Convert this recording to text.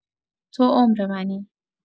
تو عمر منی